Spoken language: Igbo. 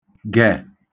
gẹ̀